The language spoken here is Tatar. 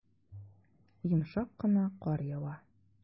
Йомшак кына кар ява.